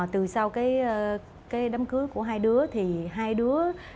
từ sau cái cái đám cưới của hai đứa thì hai đứa